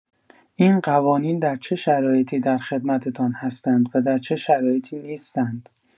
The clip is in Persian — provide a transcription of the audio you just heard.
این قوانین در چه شرایطی در خدمتتان هستند و در چه شرایطی نیستند؟